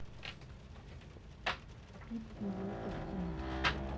купи билеты в кино